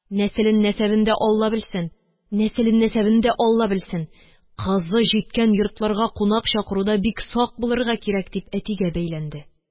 Нәселен-нәсәбен дә Алла белсен, нәселен-нәсәбен дә Алла белсен кызы җиткән йортларга кунак чакыруда бик сак булырга кирәк, – дип, әтигә бәйләнде.